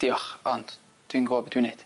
Diolch ond dwi'n gw'o' be' dwi'n neud.